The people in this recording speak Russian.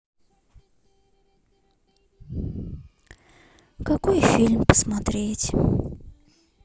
какой фильм посмотреть